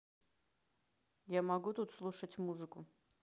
я могу тут слушать музыку